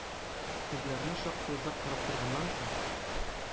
Күзләренә шактый озак карап торганнан соң,